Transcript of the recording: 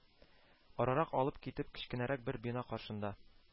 Арырак алып китеп, кечкенәрәк бер бина каршында